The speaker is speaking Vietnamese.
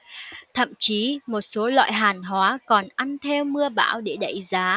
thậm chí một số loại hàng hóa còn ăn theo mưa bão để đẩy giá